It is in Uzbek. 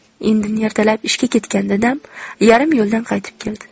indini ertalab ishga ketgan dadam yarim yo'ldan qaytib keldi